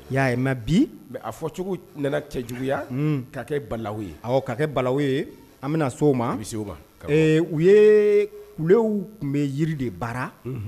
Y'a mɛ bi mɛ a fɔ cogo cɛ juguyaya ka kɛ balalaw ye ka kɛ balalaw ye an bɛna so o ma bi se ee u yelew tun bɛ yiri de baara